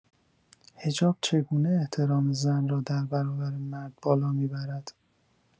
حجاب چگونه احترام زن را در برابر مرد بالا می‌برد؟